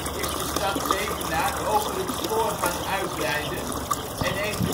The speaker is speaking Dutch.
is de stad Zevenaar ' over het spoor ' gaan uitbreiden en heeft